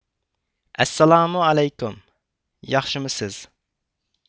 ئەسسالامۇئەلەيكۇم ياخشىمۇ سىز